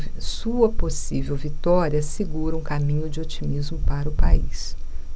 sua possível vitória assegura um caminho de otimismo para o país